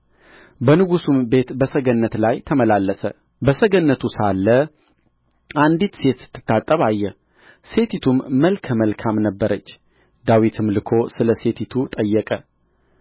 በንጉሥም ቤት በሰገነት ላይ ተመላለሰ በሰገነቱ ሳለ አንዲት ሴት ስትታጠብ አየ ሴቲቱም መልከ መልካም ነበረች ዳዊትም ልኮ ስለ ሴቲቱ ጠየቀ